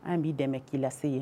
An b'i dɛmɛ k'i lase yen.